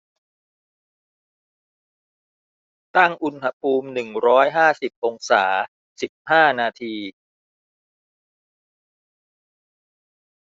ตั้งอุณหภูมิหนึ่งร้อยห้าสิบองศาสิบห้านาที